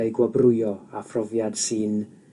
eu gwobrwyo â profiad sy'n